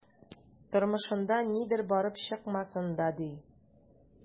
Тормышында нидер барып чыкмасын да, ди...